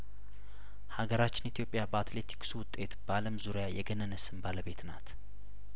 ሀገራችን ኢትዮጵያ በአትሌቲክሱ ውጤቱ በአለም ዙሪያ የገነነ ስም ባለቤት ናት